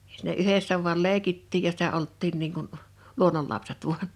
ja siinä yhdessä vain leikittiin ja sitä oltiin niin kuin luonnonlapset vain